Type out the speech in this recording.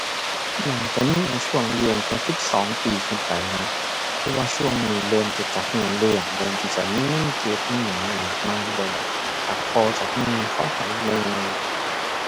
น่าจะมีอะช่วงอายุตั้งแต่สิบสองปีขึ้นไปนะ เพราะว่าช่วงนี้เริ่มที่จะรู้เรื่อง เริ่มที่จะมีเงินเก็บอิหยังมากมายแล้ว จากพ่อจากแม่เขาให้แหน่